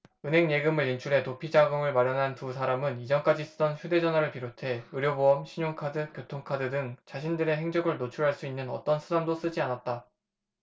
은행 예금을 인출해 도피자금을 마련한 두 사람은 이전까지 쓰던 휴대전화를 비롯해 의료보험 신용카드 교통카드 등 자신들의 행적을 노출할 수 있는 어떤 수단도 쓰지 않았다